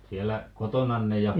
siellä kotonanne ja